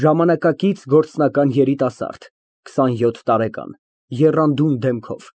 Ժամանակակից գործնական երիտասարդ, քսանյոթ տարեկան, եռանդուն դեմքով։